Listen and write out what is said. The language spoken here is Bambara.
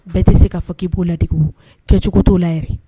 Bɛɛ tɛ se k'a fɔ k'i'o la de kɛcogo t'o la